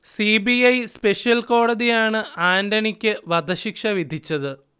C. B. I special കോടതിയാണ് ആന്റണിക്ക് വധശിക്ഷ വിധിച്ചത്